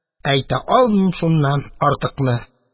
Әйтә алмыйм шуннан артыкны.